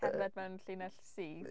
Cerdded mewn llinell syth?